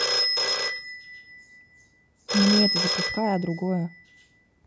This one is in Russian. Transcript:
мне это запускай а другое